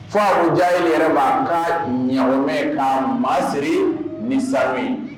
Fɔ diya ye yɛrɛ ka ɲmɛ ka ma siri ni sa ye